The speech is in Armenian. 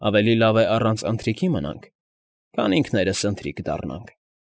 Ավելի լավ է առանց ընթրիքի մնանք, քան ինքներս ընթրիք դառնանք։